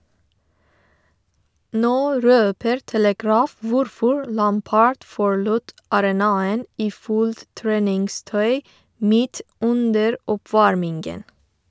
Nå røper Telegraph hvorfor Lampard forlot arenaen i fullt treningstøy midt under oppvarmingen.